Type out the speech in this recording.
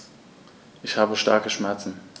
Ich habe starke Schmerzen.